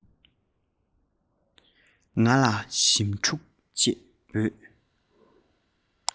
ང ལ ཞིམ ཕྲུག ཅེས འབོད